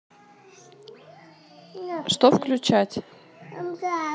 что включать